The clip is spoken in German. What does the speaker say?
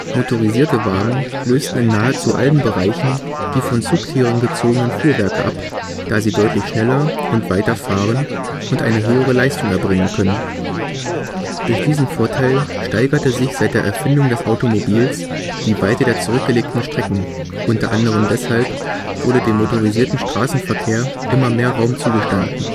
Motorisierte Wagen lösten in nahezu allen Bereichen die von Zugtieren gezogenen Fuhrwerke ab, da sie deutlich schneller und weiter fahren und eine höhere Leistung erbringen können. Durch diesen Vorteil steigerte sich seit der Erfindung des Automobils die Weite der zurückgelegten Strecken, u. a. deshalb wurde dem motorisierten Straßenverkehr immer mehr Raum zugestanden